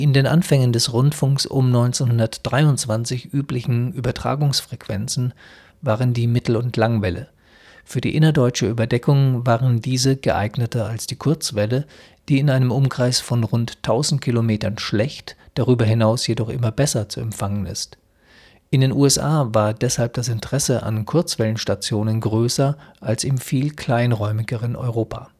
den Anfängen des Rundfunks um 1923 üblichen Übertragungsfrequenzen waren die Mittel - und Langwelle. Für die innerdeutsche Überdeckung waren diese geeigneter als die Kurzwelle, die in einem Umkreis von rund 1.000 km schlecht, darüber hinaus jedoch immer besser zu empfangen ist. In den USA war deshalb das Interesse an Kurzwellenstationen größer als im viel kleinräumigeren Europa